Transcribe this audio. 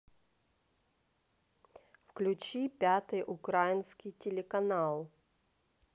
включи пятый украинский телеканал